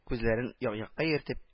Күзләрен як-якка йөртеп